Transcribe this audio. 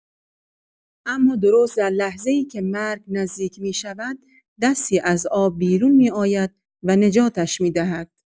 اما درست در لحظه‌ای که مرگ نزدیک می‌شود، دستی از آب بیرون می‌آید و نجاتش می‌دهد.